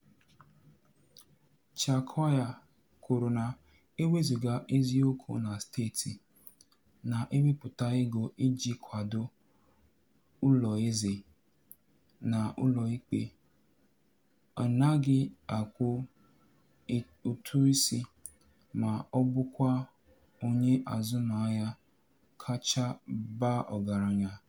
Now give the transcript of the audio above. @charquaoia: E wezuga eziokwu na steeti na-ewepụta ego iji kwado ụlọeze na ụlọikpe, ọ naghị akwụ ụtụisi, ma ọ bụkwa onye azụmahịa kacha baa ọgaranya.